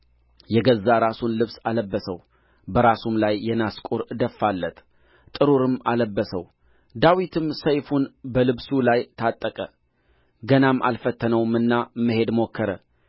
የገዛ ራሱን ልብስ አለበሰው በራሱም ላይ የናስ ቍር ደፋለት ጥሩርም አለበሰው ዳዊትም ሰይፉን በልብሱ ላይ ታጠቀ ገናም አልፈተነውምና መሄድ ሞከረ